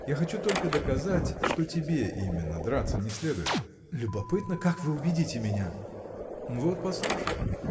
Я хочу только доказать, что тебе именно драться не следует. – Любопытно, как вы убедите меня. – Вот послушай.